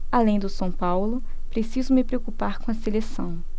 além do são paulo preciso me preocupar com a seleção